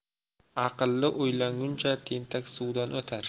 aqlli o'ylanguncha tentak suvdan o'tar